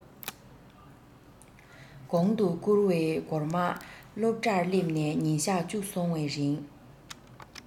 གོང དུ བསྐུར བའི སྒོར མ སློབ གྲྭར སླེབས ནས ཉིན གཞག བཅུ སོང བའི རིང